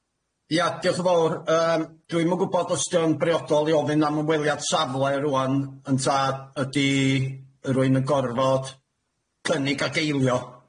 Ia, diolch yn fawr. Yym, dwi'm yn gwbod os 'di o'n briodol i ofyn am ymweliad safle rŵan ynta ydi yy rywun yn gorfod cynnig ac eilio?